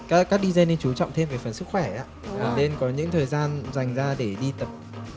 các các đi dây nên chú trọng thêm về phần sức khỏe ấy ạ nên có những thời gian dành ra để đi tập